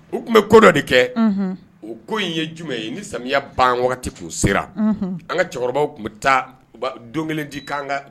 U tun bɛ ko dɔ de kɛ o ko in ye jumɛn ye ni sami ban u sera an ka cɛkɔrɔbaw tun bɛ taa don kelen di kan kan